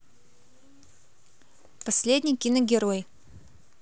последний киногерой